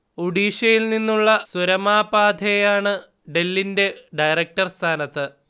ഒഡിഷയിൽനിന്നുള്ള സുരമാ പാധേയാണ് ഡെല്ലിന്റെ ഡയറക്ടർ സ്ഥാനത്ത്